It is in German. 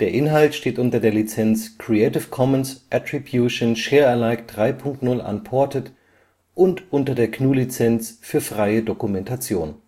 Inhalt steht unter der Lizenz Creative Commons Attribution Share Alike 3 Punkt 0 Unported und unter der GNU Lizenz für freie Dokumentation